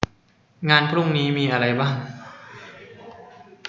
งานพรุ่งนี้มีอะไรบ้าง